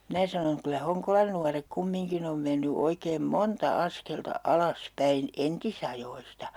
minä sanon kyllä Honkolan nuoret kumminkin on mennyt oikein monta askelta alas päin entisajoista